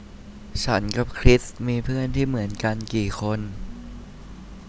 ฉันกับคริสมีเพื่อนที่เหมือนกันกี่คน